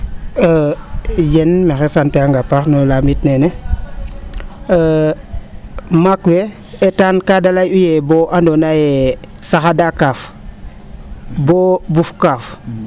Jeen maxey sante'ang a paax no lamit neene maak we eetaan kaa da ley'u yee boo andoona yee saxada kaaf boo buf kaaf